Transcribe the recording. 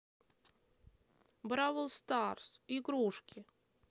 бравл старс игрушки